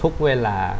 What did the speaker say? ทุกเวลา